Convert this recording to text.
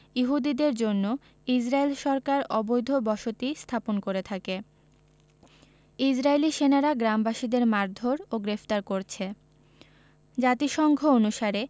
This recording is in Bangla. ইহুদিদের জন্য ইসরাইল সরকার অবৈধ বসতি স্থাপন করে থাকে ইসরাইলী সেনারা গ্রামবাসীদের মারধোর ও গ্রেফতার করছে জাতিসংঘ অনুসারে